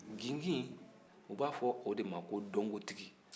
gigin u b'a fɔ o de ma ko dɔnkotigi